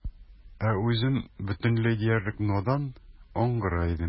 Ә үзем бөтенләй диярлек надан, аңгыра идем.